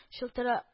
Чылтыра